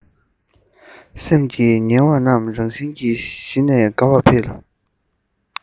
སེམས ཀྱི ངལ བ རྣམས རང བཞིན གྱིས ཞི ནས དགའ བ འཕེལ